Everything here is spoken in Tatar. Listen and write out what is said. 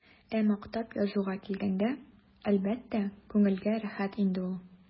Ә мактап язуга килгәндә, әлбәттә, күңелгә рәхәт инде ул.